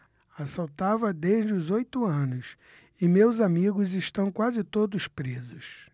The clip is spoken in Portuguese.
assaltava desde os oito anos e meus amigos estão quase todos presos